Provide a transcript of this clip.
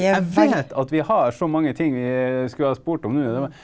jeg vet at vi har så mange ting vi skulle ha spurt om nå .